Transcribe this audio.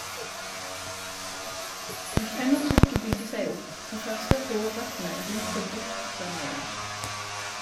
Du kjenner trykket bygge seg opp, de første hårrøttene ryker dypt der nede.